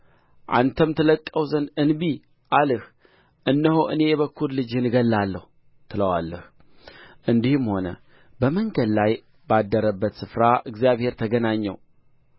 አንተም ትለቅቀው ዘንድ እንቢ አልህ እነሆ እኔ የበኵር ልጅህን እገድላለሁ ትለዋለህ እንዲህም ሆነ በመንገድ ላይ ባደረበት ስፍራ እግዚአብሔር ተገናኘው